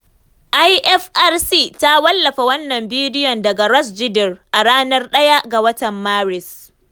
IFRC ta wallafa wannan bidiyon daga Ras Jdir a ranar 1 ga watan Maris.